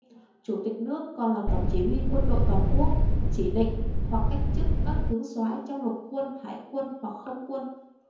chủ tịch nước còn là tổng chỉ huy quân đội toàn quốc chỉ định hoặc cách chức các tướng soái trong lục quân hải quân hoặc không quân